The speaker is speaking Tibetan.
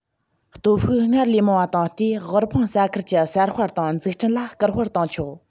སྟོབས ཤུགས སྔར ལས མང བ བཏང སྟེ དབུལ ཕོངས ས ཁུལ གྱི གསར སྤེལ དང འཛུགས སྐྲུན ལ སྐུལ སྤེལ བཏང ཆོག